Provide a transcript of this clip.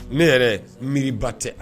Ne yɛrɛ miiriba tɛ